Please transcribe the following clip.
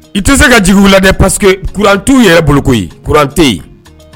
I tɛ se ka jugu wula dɛ paseke que kuranrantu yɛrɛ boloko ye kurante